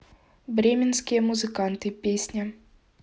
бременские музыканты песня